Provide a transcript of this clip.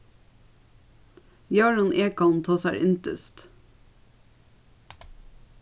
jórunn egholm tosar indiskt